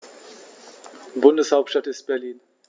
Bundeshauptstadt ist Berlin.